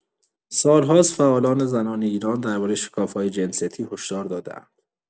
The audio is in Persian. سال‌هاست فعالان زنان ایران درباره شکاف‌های جنسیتی هشدار داده‌اند.